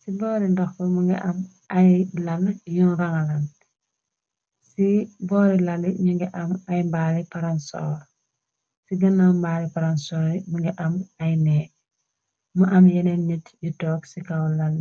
ci boori ndoxw mu ngi am ay lal yu rangland, ci boori lalli ñu ngi am ay mbaali paronsor, ci gënam mbaali paronsor i mu ngi am ay nee. mu am yeneen nit yu toog ci kaw lal.